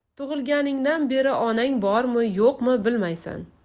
tug'ilganingdan beri onang bormi yo'qmi bilmaysan